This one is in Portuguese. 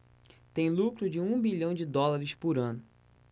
tem lucro de um bilhão de dólares por ano